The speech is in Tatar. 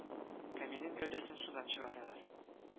Камелин гәүдәсен судан чыгаралар